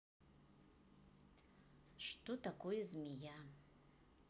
что такое змея